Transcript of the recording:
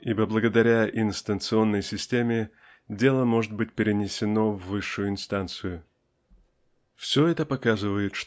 ибо благодаря инстанционной системе дело может быть перенесено в высшую инстанцию. Все это показывает